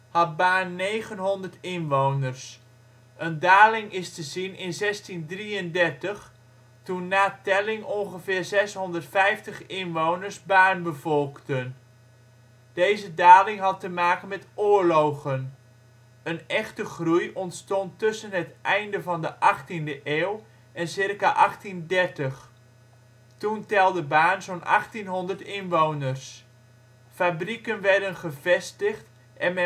had Baarn negenhonderd inwoners. Een daling is te zien in 1633 toen na telling ongeveer 650 inwoners Baarn bevolkten. Deze daling had te maken met oorlogen. Een echte groei ontstond tussen het einde van de achttiende eeuw en circa 1830. Toen telde Baarn zo 'n 1800 inwoners. Fabrieken werden gevestigd en